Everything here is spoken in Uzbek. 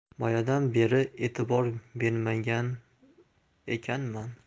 boyadan beri etibor bermagan ekanman